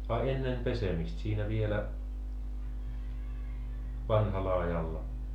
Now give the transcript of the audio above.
a ennen pesemistä siinä vielä vanhalla ajalla